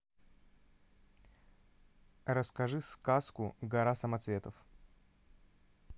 расскажи сказку гора самоцветов